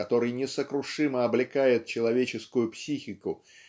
который несокрушимо облекает человеческую психику